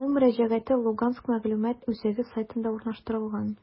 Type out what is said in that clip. Аның мөрәҗәгате «Луганск мәгълүмат үзәге» сайтында урнаштырылган.